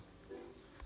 карусель стс